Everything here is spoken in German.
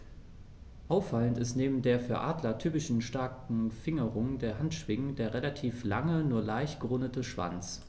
Auffallend ist neben der für Adler typischen starken Fingerung der Handschwingen der relativ lange, nur leicht gerundete Schwanz.